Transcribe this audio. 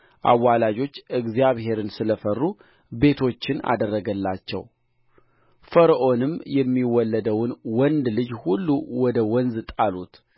አዋላጆች እግዚአብሔርን ስለ ፈሩ ቤቶችን አደረገላቸው ፈርዖንም የሚወለደውን ወንድ ልጅ ሁሉ ወደ ወንዝ ጣሉት